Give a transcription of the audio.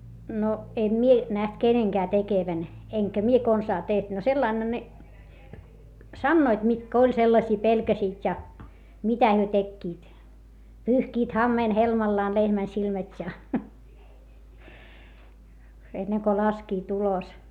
no en minä nähnyt kenenkään tekevän enkä minä konsaan tehnyt no sillä laillahan ne sanoivat mitkä oli sellaisia pelkäsivät ja mitä he tekivät pyyhkivät hameen helmallaan lehmän silmät ja ennen kuin laskivat ulos